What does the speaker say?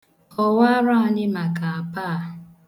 Kọwara anyị maka apa a.